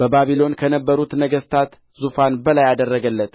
በባቢሎን ከነበሩት ነገሥታት ዙፋን በላይ አደረገለት